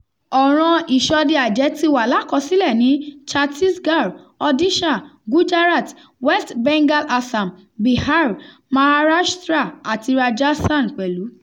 Ọ̀ràn-an ìṣọdẹ-àjẹ́ ti wà l'ákọsílẹ̀ ní Chattisgarh, Odisha, Gujarat, West Bengal Assam, Bihar, Maharashtra àti Rajasthan pẹ̀lú.